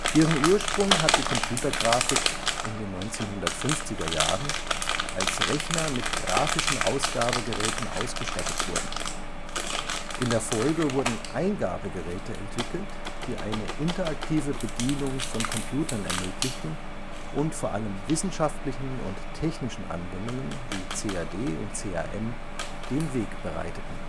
Ihren Ursprung hat die Computergrafik in den 1950er-Jahren, als Rechner mit grafischen Ausgabegeräten ausgestattet wurden. In der Folge wurden Eingabegeräte entwickelt, die eine interaktive Bedienung von Computern ermöglichten und vor allem wissenschaftlichen und technischen Anwendungen wie CAD und CAM den Weg bereiteten